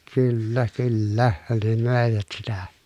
kyllä kyllä ne möivät sitä